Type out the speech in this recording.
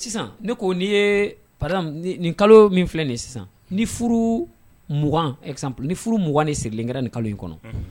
Sisan ne ko ni ye pa nin kalo min filɛ nin sisan ni furu mugan ni furuugan ni sigilen kɛra ni kalo in kɔnɔ